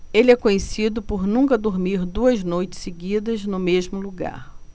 ele é conhecido por nunca dormir duas noites seguidas no mesmo lugar